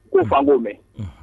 U K'o fɔ an k'o mɛn, unhun.